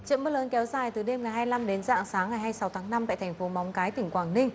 trận mưa lớn kéo dài từ đêm ngày hai lăm đến rạng sáng ngày hai sáu tháng năm tại thành phố móng cái tỉnh quảng ninh